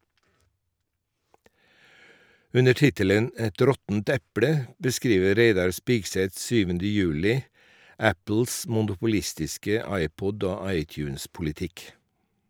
Under tittelen "Et råttent eple" beskriver Reidar Spigseth Apples monopolistiske iPod- og iTunes-politikk.